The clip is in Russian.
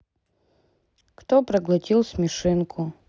кто проглотил смешинку